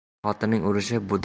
er xotinning urishi